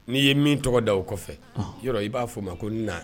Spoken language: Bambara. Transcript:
N'i ye min tɔgɔ da o kɔfɛ yɔrɔ i b'a fɔ o ma ko Na!